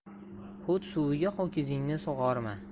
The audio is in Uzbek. hut suviga ho'kizingni sug'orma